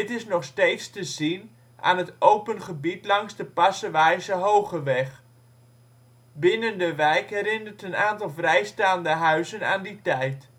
is nog steeds te zien aan het open gebied langs de Passewaayse Hogeweg; binnen de wijk herinnert een aantal vrijstaande huizen aan die tijd